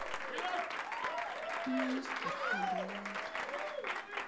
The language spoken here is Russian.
мистер хоблот